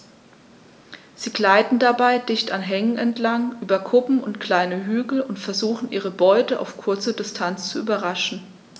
Sie gleiten dabei dicht an Hängen entlang, über Kuppen und kleine Hügel und versuchen ihre Beute auf kurze Distanz zu überraschen.